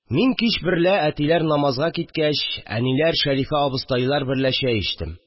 Мин кич берлә, әтиләр намазга киткәч, әниләр, Шәрифә абыстайлар берлә чәй эчтем